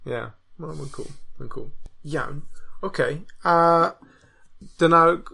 Ie, ma' ma'n cŵl, mae'n cŵl. Iawn, ok, a dyna